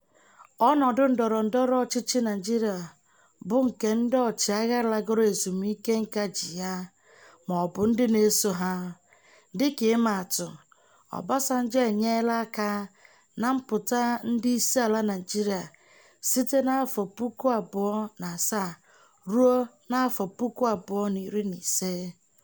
Ọnọdụ ndọrọ ndọrọ ọchịchị Naijiria bụ nke ndị ọchịagha lagoro ezumike nka ji ya ma ọ bụ ndị na-eso ha. Dịka ịmaatụ, Obasanjo enyeela aka na mpụta ndị isiala Naịjirịa site na 2007 ruo 2015.